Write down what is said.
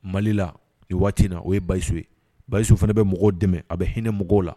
Mali la nin waati in na o ye Bayisu ye , Bayisu fana bɛ mɔgɔw dɛmɛ , a bɛ hinɛ mɔgɔw la